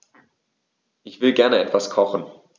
Ich will gerne etwas kochen.